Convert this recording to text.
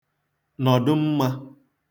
nọ̀dụmmā